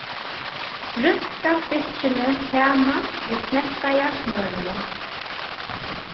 brúnka stykkini saman við smeltaða smørinum